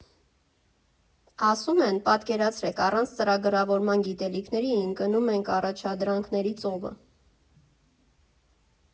Ասում են՝ պատկերացրեք առանց ծրագրավորման գիտելիքների ընկնում ենք առաջադրանքների ծովը։